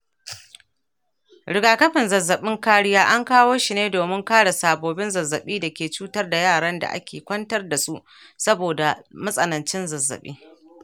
rigakafin zazzabin kariya ankawoshi ne domin kare sababbin zazzabin da ke cutar da yaranda ake kwantar dasu saboda matsanancin zazzabi